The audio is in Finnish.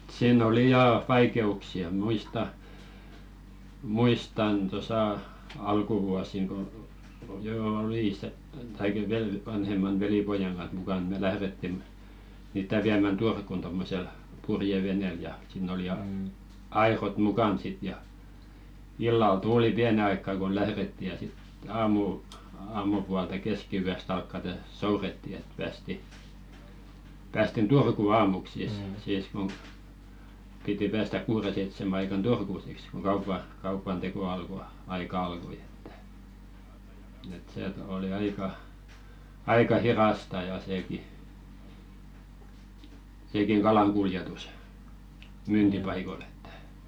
siinä oli ja vaikeuksia muistan muistan tuossa alkuvuosina kun jo oli sitten tai - vanhemman velipojan kanssa mukana me lähdettiin niitä viemään Turkuun tuommoisella purjeveneellä ja siinä oli ja airot mukana sitten ja illalla tuuli pienen aikaa kun lähdettiin ja sitten - aamupuolta keskiyöstä alkaen soudettiin että päästiin päästiin Turkuun aamuksi siis siis kun piti päästä kuuden seitsemän aikaan Turkuun siksi kun kaupan kaupan teko alkoi aika alkoi että että se oli aika aika hidasta ja sekin sekin kalan kuljetus myyntipaikoille että